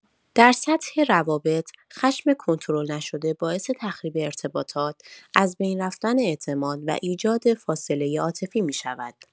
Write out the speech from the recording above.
در سطح روابط، خشم کنترل‌نشده باعث تخریب ارتباطات، از بین رفتن اعتماد و ایجاد فاصله عاطفی می‌شود.